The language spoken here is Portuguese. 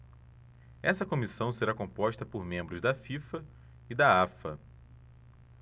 essa comissão será composta por membros da fifa e da afa